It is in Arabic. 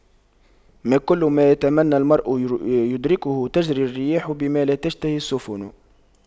ما كل ما يتمنى المرء يدركه تجرى الرياح بما لا تشتهي السفن